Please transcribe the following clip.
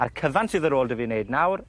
a'r cyfan sydd yr ôl 'dy fi neud nawr